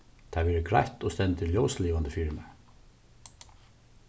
tað verður greitt og stendur ljóslivandi fyri mær